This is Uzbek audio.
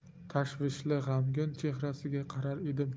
tashvishli g'amgin chehrasiga qarar edim